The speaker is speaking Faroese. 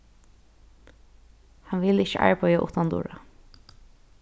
hann vil ikki arbeiða uttandura